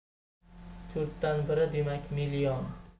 to'rtdan biri demak million